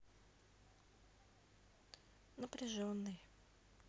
напряженной